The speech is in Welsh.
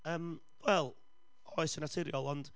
Yym wel, oes yn naturiol, ond ...